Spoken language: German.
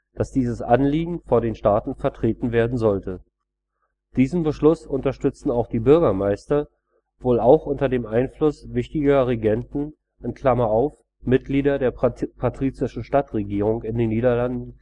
dass dieses Anliegen vor den Staaten vertreten werden sollte. Diesen Beschluss unterstützten auch die Bürgermeister (burgemeesters), wohl auch unter dem Einfluss wichtiger regenten (Mitglieder der patrizischen Stadtregierung in den Niederlanden